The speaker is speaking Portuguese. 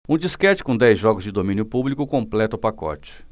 um disquete com dez jogos de domínio público completa o pacote